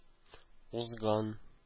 Узган